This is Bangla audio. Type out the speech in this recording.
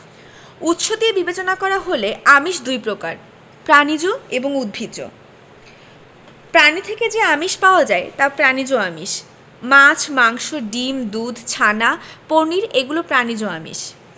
উৎস দিয়ে বিবেচনা করা হলে আমিষ দুই প্রকার প্রাণিজ ও উদ্ভিজ্জ প্রাণী থেকে যে আমিষ পাওয়া যায় তা প্রাণিজ আমিষ মাছ মাংস ডিম দুধ ছানা পনির এগুলো প্রাণিজ আমিষ